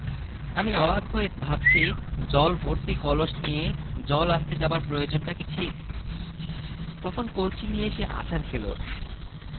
আমার কন্যারা দেখলাম দেশীয় সংস্কৃতির প্রতি গাঢ় অনুরাগ নিয়ে জন্মেছে যাই দেখাচ্ছে তাই তাদের চিত্তকে উদ্বেলিত করছে তাই তারা কিনবে